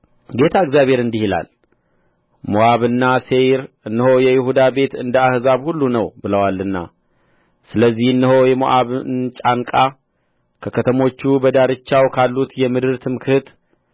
ጌታ እግዚአብሔር እንዲህ ይላል ሞዓብና ሴይር እነሆ የይሁዳ ቤት እንደ አሕዛብ ሁሉ ነው ብለዋልና ስለዚህ እነሆ የሞዓብን ጫንቃ ከከተሞቹ በዳርቻው ካሉት የምድሩ ትምክሕት